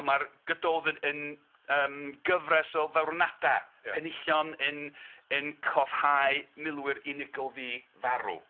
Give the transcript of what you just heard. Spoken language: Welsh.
Ma'r Gododdin yn yym gyfres o farwnadau... ia. ...penillion yn yn cofhau milwyr unigol fu farw.